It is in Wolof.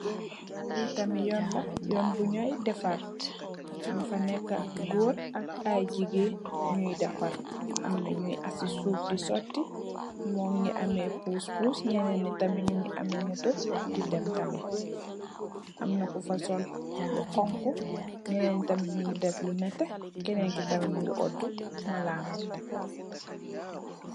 Li tamit yoon la yoon bunyoi defarr nyu fa neka gorr ak i gigain nyui defarr amna nyui esi suuf d soti mom Mungi ameh puspus nyeneni tamit nyungi ameh motor d dem tamit amna kufa sol lu hunhu yeneni tamit nyungi def lu neteh kenen ki tamit Mungi ordu malan.